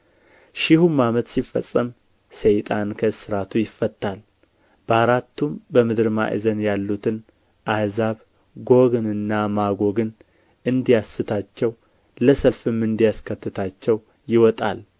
ሺሁም ዓመት ሲፈጸም ሰይጣን ከእስራቱ ይፈታል በአራቱም በምድር ማዕዘን ያሉትን አሕዛብ ጎግንና ማጎግን እንዲያስታቸው ለሰልፍም እንዲያስከትታቸው ይወጣል